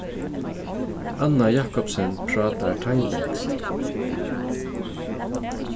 anna jacobsen prátar tailendskt